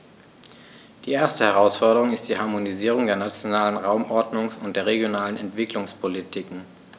Die erste Herausforderung ist die Harmonisierung der nationalen Raumordnungs- und der regionalen Entwicklungspolitiken.